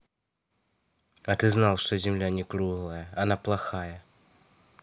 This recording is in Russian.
а ты знал что земля не круглая она плохая